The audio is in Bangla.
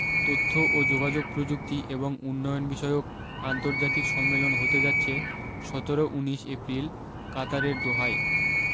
তথ্য ও যোগাযোগ প্রযুক্তি এবং উন্নয়ন বিষয়ক আন্তর্জাতিক সম্মেলন হতে যাচ্ছে সতেরো উনিশ এপ্রিল কাতারের দোহায়